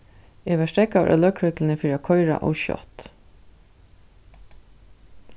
eg varð steðgaður av løgregluni fyri at koyra ov skjótt